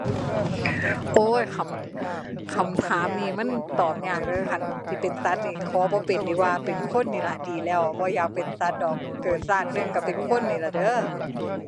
โอ๊ย คำ คำถามนี้มันตอบยากเด้อ คันสิเป็นสัตว์นี่ขอบ่เป็นดีกว่า เป็นคนนี่ล่ะดีแล้ว บ่อยากเป็นสัตว์ดอก เกิดชาติหนึ่งก็เป็นคนนี่ล่ะเด้อ